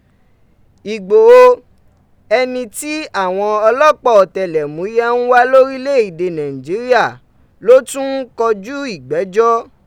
Igboho, ẹni ti awọn ọlọpaa ọtẹlẹmuyẹ n wa lorilẹ ede Naijiria lo tun n koju igbẹjọ.